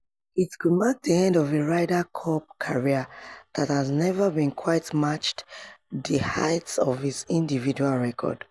It could mark the end of a Ryder Cup career that has never quite matched the heights of his individual record.